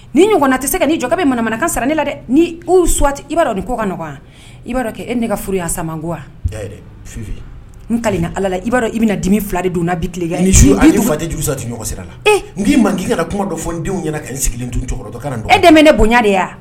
Ni ɲɔgɔnna tɛ se ka'i jɔkɛ bɛ manamanakan sara ne la dɛ niwa i b'a dɔn nin kɔ ka nɔgɔ i b'a dɔn kɛ e ne ka furuya sama ko ka na ala b' dɔn i bɛna dimi fila de dun na bi fa jurusa sera n k'i man k'i ka kuma dɔ fɔ ndenw ɲɛna sigilen dun dɔn e dɛmɛ ne bonya de wa